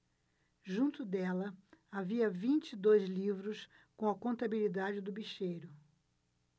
junto dela havia vinte e dois livros com a contabilidade do bicheiro